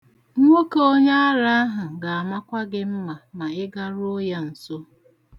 Nwoke onye ara ahụ ga-amakwa gị mma ma ị garuo ya nso.